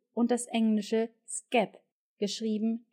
und das englische „ skep “. Im